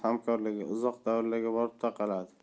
hamkorligi uzoq davrlarga borib taqaladi